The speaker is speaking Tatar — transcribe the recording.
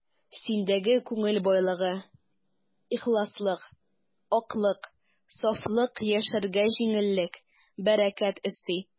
Синдәге күңел байлыгы, ихласлык, аклык, сафлык яшәргә җиңеллек, бәрәкәт өсти.